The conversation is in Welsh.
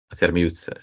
O, ti ar mute.